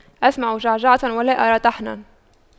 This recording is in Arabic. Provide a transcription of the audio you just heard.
أسمع جعجعة ولا أرى طحنا